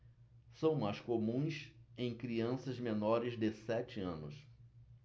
são mais comuns em crianças menores de sete anos